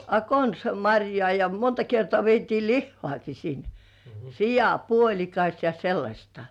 a konsa marjaa ja monta kertaa vietiin lihaakin sinne sianpuolikas ja sellaista